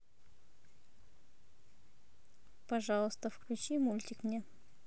пожалуйста включи мультик мне